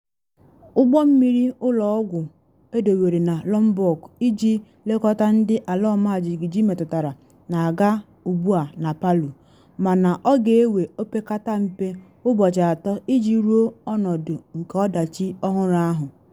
Ụgbọ mmiri ụlọ ọgwụ edowere na Lombok iji lekọta ndị ala ọmajijiji metụtara na aga ugbu a na Palu, mana ọ ga-ewe opekata mpe ụbọchị atọ iji ruo ọnọdụ nke ọdachi ọhụrụ ahụ.